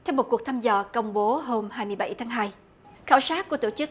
theo một cuộc thăm dò công bố hôm hai mươi bảy tháng hai khảo sát của tổ chức